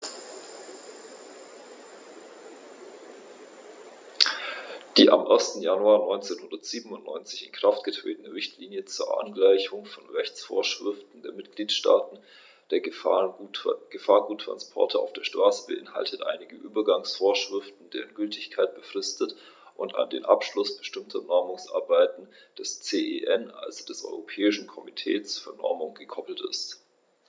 Die am 1. Januar 1997 in Kraft getretene Richtlinie zur Angleichung von Rechtsvorschriften der Mitgliedstaaten für Gefahrguttransporte auf der Straße beinhaltet einige Übergangsvorschriften, deren Gültigkeit befristet und an den Abschluss bestimmter Normungsarbeiten des CEN, also des Europäischen Komitees für Normung, gekoppelt ist.